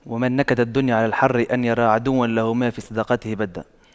ومن نكد الدنيا على الحر أن يرى عدوا له ما من صداقته بد